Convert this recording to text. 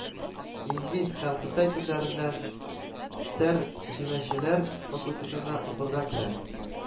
Инглиз һәм кытай телләреннән тәр җемәчеләр факультетына укырга керә